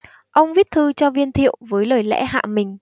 ông viết thư cho viên thiệu với lời lẽ hạ mình